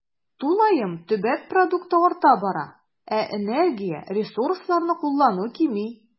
Тулаем төбәк продукты арта бара, ә энергия, ресурсларны куллану кими.